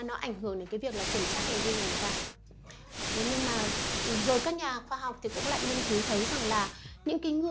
nó ảnh hưởng tới việc kiểm soát hành vi của người ta thế rồi các nhà khoa học cũng nghiên cứu ra được là những cái